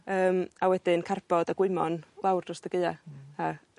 yym a wedyn carbod a gwymon lawr drost y gaea. Hmm. A